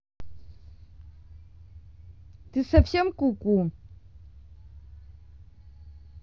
ты сосем ку ку